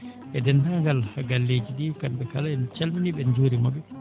e deenndangal galleeji ɗii kamɓe kala en calminii ɓe en njuuriima ɓe